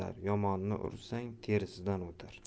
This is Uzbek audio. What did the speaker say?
yomonni ursang terisidan o'tar